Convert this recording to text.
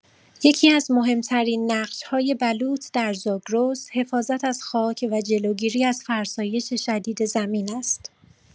یکی‌از مهم‌ترین نقش‌های بلوط در زاگرس، حفاظت از خاک و جلوگیری از فرسایش شدید زمین است.